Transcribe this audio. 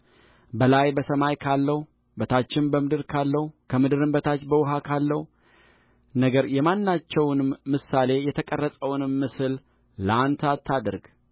በላይ በሰማይ ካለው በታችም በምድር ካለው ከምድርም በታች በውኃ ካለው ነገር የማናቸውንም ምሳሌ የተቀረጸውንም ምስል ለአንተ አታድርግ